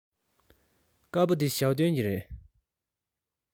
དཀར པོ འདི ཞའོ ཏོན གྱི རེད